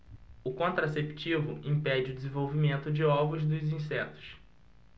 o contraceptivo impede o desenvolvimento de ovos dos insetos